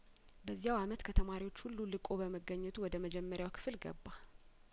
በዚያው አመት ከተማሪዎች ሁሉ ልቆ በመገኘቱ ወደ መጀመሪያው ክፍል ገባ